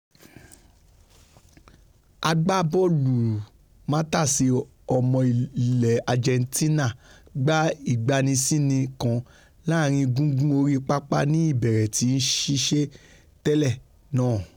Agbábọ́ọ̀lùmátàṣé ọmọ ilẹ̀ Ajẹntína gba ìgbásíni kan láàrin gungun orí pápá ní ìbẹ̀rẹ̀ ti ṣíṣẹ̀-n-tẹ̀lé náà.